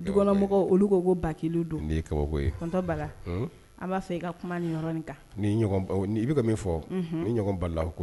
Ikɔnɔmɔgɔ olu ko ko baki don nin ye kabako ye bala an b'a fɔ i ka kuma niɔrɔn kan ni i bɛ ka min fɔ ni ɲɔgɔn balila